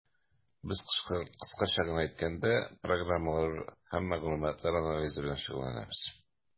Без, кыскача гына әйткәндә, программалар һәм мәгълүматлар анализы белән шөгыльләнәбез.